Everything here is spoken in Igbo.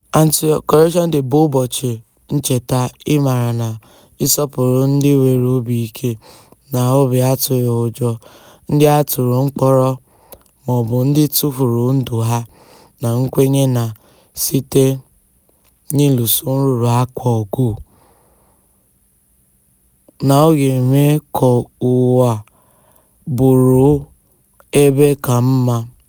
Anti-Corruption Day bụ ụbọchị ncheta, ịmara na ịsopụrụ ndị nwere obi ike na obi atụghị ụjọ, ndị a tụrụ mkpọrọ maọbụ ndị tufuru ndụ ha na nkwenye na site n'iluso nrụrụaka ọgụ, na ọ ga-eme ka ụwa bụrụ ebe ka mma.